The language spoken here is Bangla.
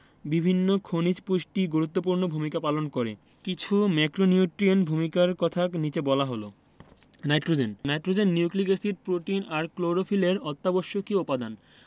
বিভিন্ন খনিজ পুষ্টি গুরুত্বপূর্ণ ভূমিকা পালন করে কিছু ম্যাক্রোনিউট্রিয়েন্টের ভূমিকার কথা নিচে বলা হল nitrogen nitrogen nucleic acid protein আর ক্লোরোফিলের অত্যাবশ্যকীয় উপাদান